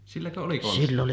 silläkö oli konstit